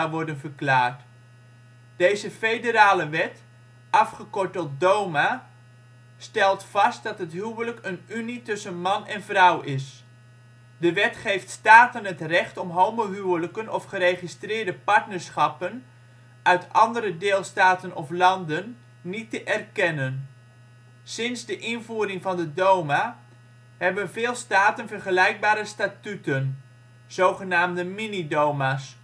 worden verklaard. Deze federale wet, afgekort tot DOMA, stelt vast dat het huwelijk een unie tussen man en vrouw is. De wet geeft staten het recht om homohuwelijken of geregistreerde partnerschappen uit andere deelstaten of landen niet te erkennen. Sinds de invoering van de DOMA hebben veel staten vergelijkbare statuten (zogenaamde mini-DOMA 's